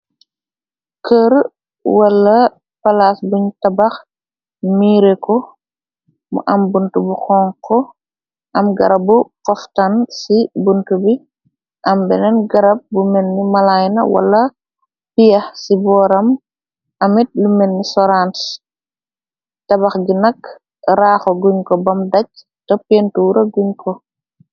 Cër wala palaas buñ tabax miire ko mu am bunt bu xonko am garab bu xoftan ci bunt bi am beneen garab bu menni malaayna wala pieex ci booram amit lu menni sorans tabax gi nak raaxo guñ ko bam daj te pentuura guñ ko.